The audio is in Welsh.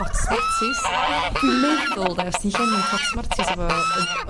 pot Smarties dwi'n meddwl de os ti'n llenwi pot Smarties efo yy